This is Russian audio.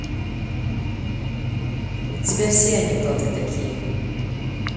у тебя все анекдоты такие